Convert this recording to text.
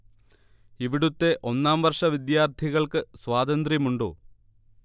ഇവിടുത്തെ ഒന്നാം വർഷ വിദ്യാർത്ഥികൾക്ക് സ്വാതന്ത്ര്യമുണ്ടോ